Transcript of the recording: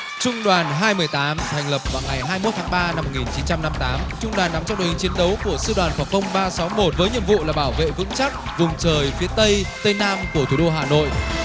trung đoàn hai mươi tám thành lập vào ngày hai mốt tháng ba năm một nghìn chín trăm năm tám trung đoàn nằm trong đội hình chiến đấu của sư đoàn phòng không ba sáu một với nhiệm vụ bảo vệ vững chắc vùng trời phía tây tây nam của thủ đô hà nội